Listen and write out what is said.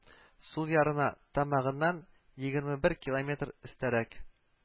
Сул ярына тамагыннан егерме бер километр өстәрәк